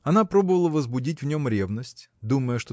Она пробовала возбудить в нем ревность думая